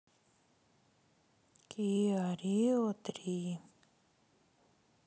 киа рио три